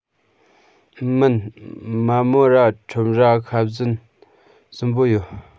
མིན མ མོ ར ཁྲོམ ར ཤ བཟན གསུམ པོ ཡོད